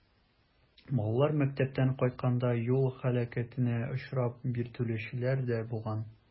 Балалар мәктәптән кайтканда юл һәлакәтенә очрап, биртелүчеләр дә булган.